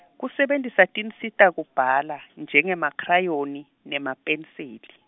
kusebentisa tinsita kubhala, njengemakhrayoni nemapeniseli.